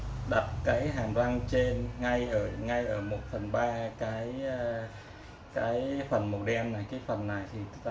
đặt cái hàm răng trên ngay vào vị trí phần ngậm trên bec màu đen